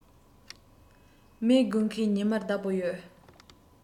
མེ དགུན ཁའི ཉི མར བདག པོ ཡོད